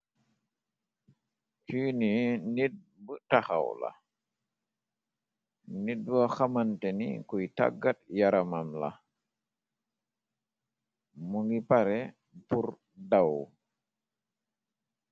Kini nit bu taxaw la nit bu xamanteni kuy taggat yaramam la mu ngi paré pur daw.